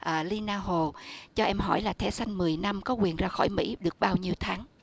ờ li na hồ cho em hỏi là thẻ xanh mười năm có quyền ra khỏi mỹ được bao nhiêu tháng